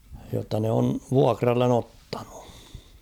jotta ne on vuokralle ottanut